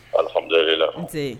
Aliha yɛrɛ la